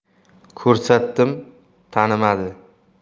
ko'rsatdim tanimadi